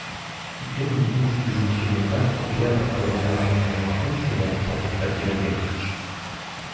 2018 елда гериатр табибларның яңа функцияләре барлыкка килергә тиеш.